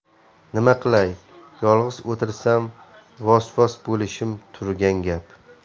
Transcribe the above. nima qilay yolg'iz o'tirsam vos vos bo'lishim turgan gap